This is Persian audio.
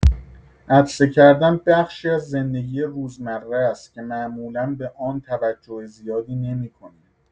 عطسه کردن بخشی از زندگی روزمره است که معمولا به آن توجه زیادی نمی‌کنیم.